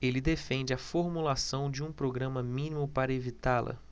ele defende a formulação de um programa mínimo para evitá-la